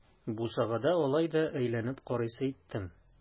Бусагада алай да әйләнеп карыйсы иттем.